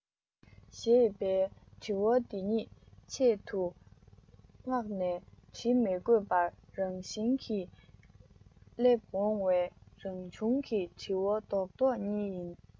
ཞེས པའི འདྲི བ འདི གཉིས ཆེད དུ མངགས ནས འདྲི མི དགོས པར རང བཞིན གྱིས སླེབས འོང བའི རང བྱུང གི འདྲི བ རྡོག རྡོག གཉིས ཡིན